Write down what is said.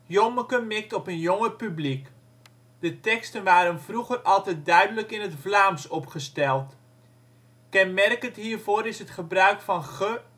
Jommeke mikt op een jonger publiek. De teksten waren vroeger altijd duidelijk in het Vlaams opgesteld. Kenmerkend hiervoor is het gebruik van ge